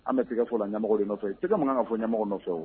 An bɛ tɛgɛfɔ la ɲɛmɔgɔw nɔfɛ tɛgɛ man kan ka fɔ ɲɛmɔgɔ nɔfɛ o